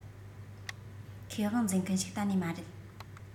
ཁེ དབང འཛིན མཁན ཞིག གཏན ནས མ རེད